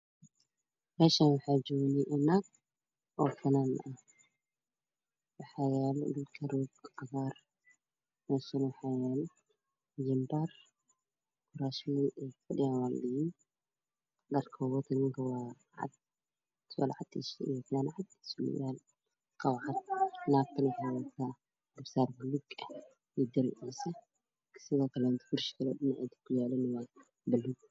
Meeshaani waxaa jooga nin iyo naag oo fanaana ah waxaa yaalo dhulka roog cagaar meeshuna waxaa yaalo jilbaar kuraasimiinta ay ku fadhiyaan waa guduud dharka ninka uu wato waa cad surwaal cad iyo kabo cad naagtana waxay wadataa gabsaar buluug ah iyo diriciiaa sidoo kaleeto usha dhinaceeda ku yaalo waa buluug